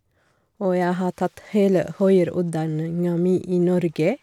Og jeg har tatt hele høyere utdanninga mi i Norge.